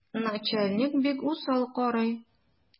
Начальник бик усал карый.